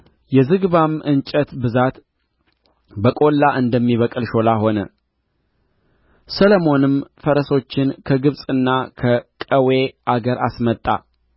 የዝግባም እንጨት ብዛት በቈላ እንደሚበቅል ሾላ ሆነ ሰሎሞንም ፈረሶችን ከግብጽና ከቀዌ አገር አስመጣ